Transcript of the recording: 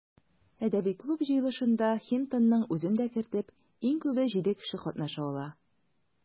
Әдәби клуб җыелышында, Хинтонның үзен дә кертеп, иң күбе җиде кеше катнаша ала.